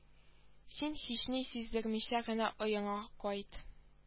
Син һични сиздермичә генә өеңә кайт